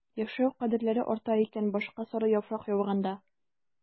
Яшәү кадерләре арта икән башка сары яфрак яуганда...